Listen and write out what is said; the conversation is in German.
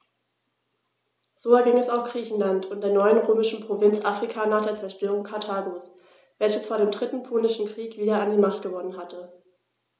So erging es auch Griechenland und der neuen römischen Provinz Afrika nach der Zerstörung Karthagos, welches vor dem Dritten Punischen Krieg wieder an Macht gewonnen hatte.